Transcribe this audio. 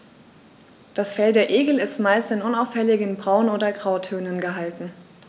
Das Fell der Igel ist meist in unauffälligen Braun- oder Grautönen gehalten.